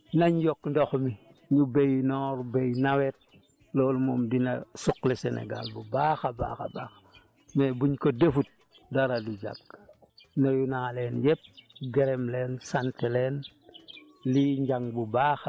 buñ buggee mu régler moom nañ yokk ndox mi ñu béy noor béy nawet loolu moom dina suqali Sénégal bu baax a baax a baax mais buñ ko defut dara du jag nuyu naa leen yéen ñëpp gërëm leen sant leen lii njàng bu baax